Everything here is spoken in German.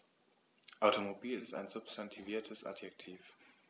Automobil ist ein substantiviertes Adjektiv.